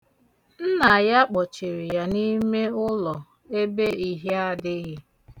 Nna ya kpọchiri n'ime ụlọ ebe ihie adịghị.